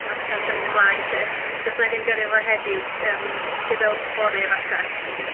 Ma' petha'n symud ymlaen 'lly, so os wna i ddim gyrru fo heddiw yym bydd o fory efallai pan mae'n gyrru fo